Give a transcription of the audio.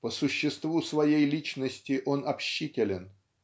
По существу своей личности он общителен.